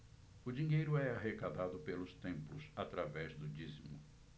o dinheiro é arrecadado pelos templos através do dízimo